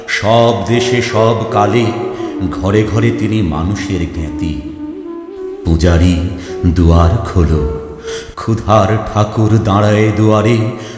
সব দেশে সব কালে ঘরে ঘরে তিনি মানুষের জ্ঞাতি পূজারী দুয়ার খোলো ক্ষুধার ঠাকুর দাঁড়ায়ে দুয়ারে